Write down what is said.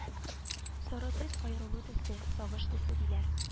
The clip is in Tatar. Сары төс аерылу төсе сагыш төсе диләр